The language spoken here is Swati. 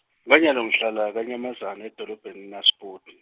kwanyalo ngihlala, Kanyamazane edolobheni Naspoti.